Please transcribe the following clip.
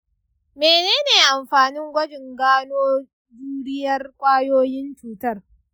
mene ne amfani gwajin gano juriyar kwayoyin cuta?